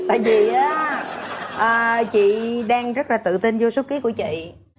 tại vì á chị đang rất là tự tin vô số ký của chị